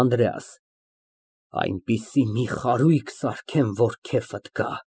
ԱՆԴՐԵԱՍ ֊ Օ, այնպիսի մի խարույկ սարքեմ, որ քեֆդ գա։